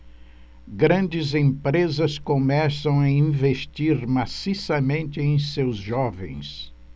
grandes empresas começam a investir maciçamente em seus jovens